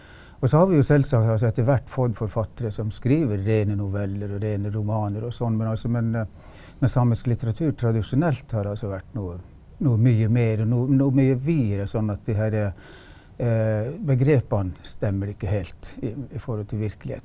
og så har vi jo selvsagt altså etter hvert fått forfattere som skriver rene noveller og rene romaner og sånn men altså, men men samisk litteratur tradisjonelt har altså vært noe noe mye mer noe noe mye videre sånn at de herre begrepene stemmer ikke helt i forhold til virkeligheten.